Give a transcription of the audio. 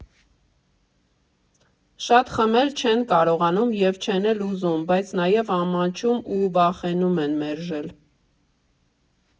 Շատ խմել չեն կարողանում և չեն էլ ուզում, բայց նաև ամաչում ու վախենում են մերժել։